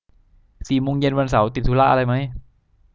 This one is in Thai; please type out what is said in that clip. สี่โมงเย็นวันเสาร์ติดธุระอะไรมั้ย